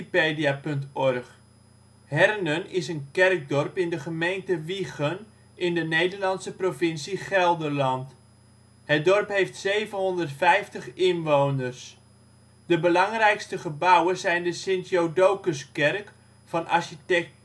een kerkdorp in de gemeente Wijchen, in de Nederlandse provincie Gelderland. Het dorp heeft 750 inwoners. De belangrijkste gebouwen zijn de Sint Judocus-kerk van architect